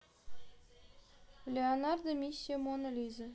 леонардо миссия мона лизы